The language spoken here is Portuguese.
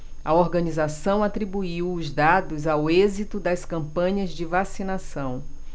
a organização atribuiu os dados ao êxito das campanhas de vacinação